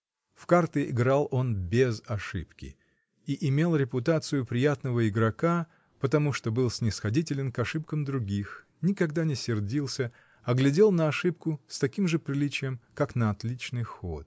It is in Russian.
В карты играл он без ошибки и имел репутацию приятного игрока, потому что был снисходителен к ошибкам других, никогда не сердился, а глядел на ошибку с таким же приличием, как на отличный ход.